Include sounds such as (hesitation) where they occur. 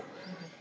(hesitation) (hesitation)